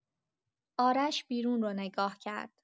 آرش بیرون رو نگاه کرد.